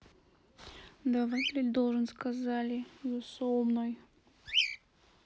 давай блядь должен сказали y so мной